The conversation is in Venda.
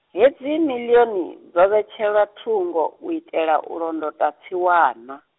hedzi miḽioni, dzo vhetshelwa thungo, u itela u londota, tsiwana.